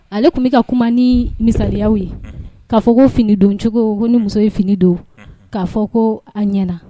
Ale tun bɛ ka kuma ni misaliyaw ye, ka'a fɔ ko fini don cogo ko ni muso ye fini don k'a fɔ ko an ɲana